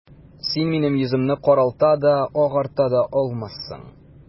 Син минем йөземне каралта да, агарта да аласың...